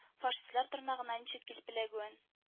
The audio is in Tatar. Фашистлар тырнагына ничек килеп эләгүен